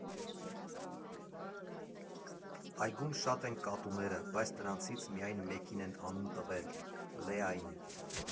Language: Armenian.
Այգում շատ են կատուները, բայց նրանցից միայն մեկին են անուն տվել՝ Լեային։